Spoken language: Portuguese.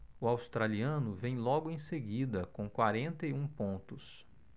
o australiano vem logo em seguida com quarenta e um pontos